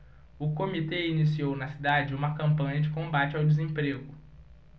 o comitê iniciou na cidade uma campanha de combate ao desemprego